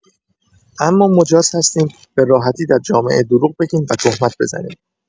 اما مجاز هستیم به راحتی در جامعه دروغ بگیم و تهمت بزنیم